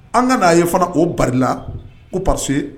An ka n' a ye fana o bala ko pa